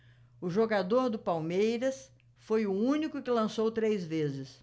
o jogador do palmeiras foi o único que lançou três vezes